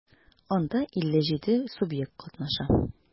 Анда 57 субъект катнаша.